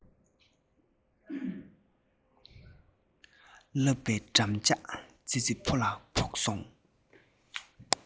བརྒྱབ པའི འགྲམ ལྕག ཙི ཙི ཕོ ལ ཕོག སོང